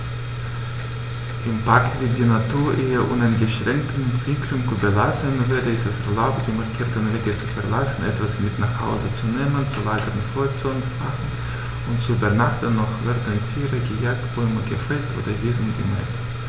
Im Park wird die Natur ihrer uneingeschränkten Entwicklung überlassen; weder ist es erlaubt, die markierten Wege zu verlassen, etwas mit nach Hause zu nehmen, zu lagern, Feuer zu entfachen und zu übernachten, noch werden Tiere gejagt, Bäume gefällt oder Wiesen gemäht.